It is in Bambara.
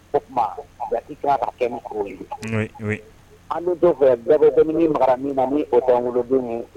O tuma, i' ka kan kɛ ni o de ye ,